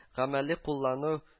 Гамәли куллану